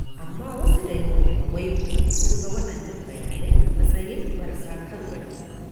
Amma wasu da yawa a Weibo sun ga waɗannan bayanai a matsayin marasa kan gado.